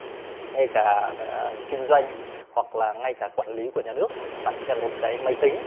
ngay cả kinh doanh hoặc là ngay cả quản lý của nhà nước bạn chỉ cần một cái máy tính